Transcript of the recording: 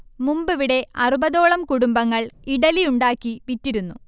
മുമ്പിവിടെ അറുപതോളം കുടുംബങ്ങൾ ഇഡ്ഢലി ഉണ്ടാക്കി വിറ്റിരുന്നു